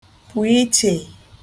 pụ̀ ichè